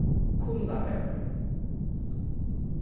kumlavegur